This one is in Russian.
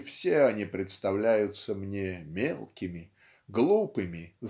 и все они представляются мне мелкими глупыми